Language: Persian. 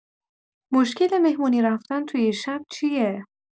مشکل مهمونی رفتن توی شب چیه؟